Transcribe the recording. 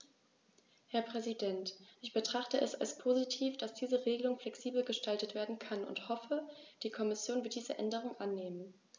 Herr Präsident, ich betrachte es als positiv, dass diese Regelung flexibel gestaltet werden kann und hoffe, die Kommission wird diese Änderung annehmen.